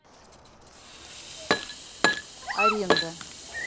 аренда